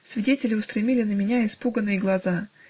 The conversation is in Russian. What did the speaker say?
Свидетели устремили на меня испуганные глаза.